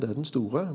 det er den store.